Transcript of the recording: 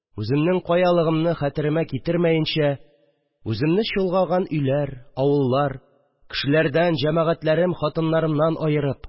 Үземнең каялыгымны хәтеремә китермәенчә, үземне чолгаган өйләр, авыллар, кешеләрдән, җәмәгатьләрем-хатыннарымнан аерып